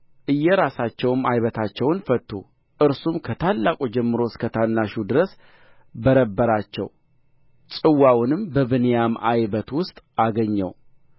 እየራሳቸውም ዓይበታቸውን ፈቱ እርሱም ከታላቁ ጀምሮ እስከ ታናሹ ድረስ በረበራቸው ጽዋውንም በብንያም ዓይበት ውስጥ አገኘው